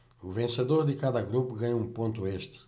o vencedor de cada grupo ganha um ponto extra